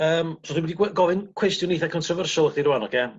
yym so dwi mynd i gwe- gofyn cwestiwn itha contrerfyrsiol i chdi rŵan oce?